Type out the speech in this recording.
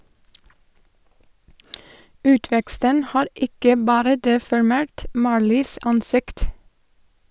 Utveksten har ikke bare deformert Marlies ansikt.